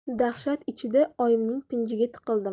dahshat ichida oyimning pinjiga tiqildim